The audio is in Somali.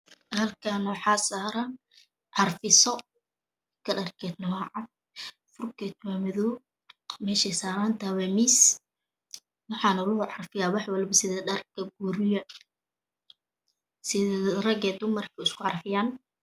Halkaan waxaa saaran carfiso kararteeda waa qadaan korteedana waa madow meeshey sarantahay waa miis waxaana lagu carfiya waxwalba sida dharta guriga sida raga dumarka isku carfiyaan